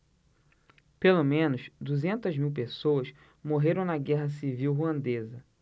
pelo menos duzentas mil pessoas morreram na guerra civil ruandesa